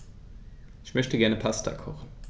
Ich möchte gerne Pasta kochen.